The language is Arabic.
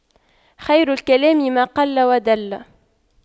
خير الكلام ما قل ودل